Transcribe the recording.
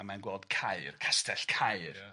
a mae'n gweld Caer, Castell Caer ia.